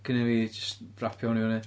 Cyn i fi jyst rapio hwn i fyny.